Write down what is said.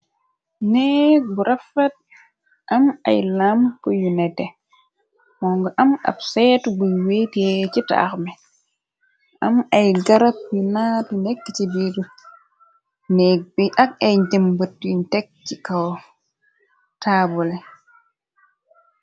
Neek bu rafat am ay lamk yu nete mo nga am ab seet buy weetee ci taax me. Am ay gërab yu naatu nekk ci biitu néeg bi. Ak ay njëmbët yuñ tekk ci kaw taabole.